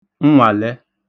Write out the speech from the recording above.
nnwàlẹ